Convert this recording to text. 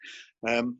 Yym